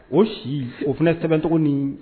O si o fana sɛbɛncogo min